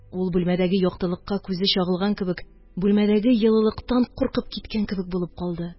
Ул бүлмәдәге яктылыкка күзе чагылган кебек, бүлмәдәге йылылыктан куркып киткән кебек булып калды.